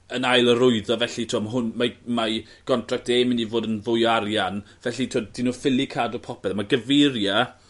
yn ail arwyddo felly t'wod ma' hwn mae mae 'i gontract e myn' i fod yn fwy o arian felly t'od 'dyn n'w ffili cadw popeth. Ma' Gaveria